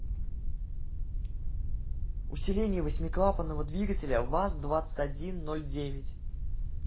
усиление восьмиклапанного двигателя ваз двадцать один ноль девять